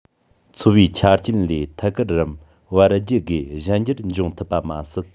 འཚོ བའི ཆ རྐྱེན ལས ཐད ཀར རམ བར བརྒྱུད སྒོས གཞན འགྱུར འབྱུང ཐུབ པ མ ཟད